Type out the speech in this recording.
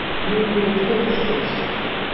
Мин ирекле кеше ич.